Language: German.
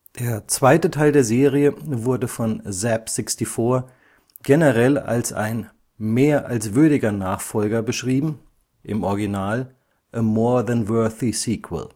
Der zweite Teil der Serie wurde von ZZAP! 64 generell als ein „ mehr als würdiger Nachfolger “(„ A more-than-worthy sequel